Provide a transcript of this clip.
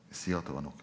sei at det var nok!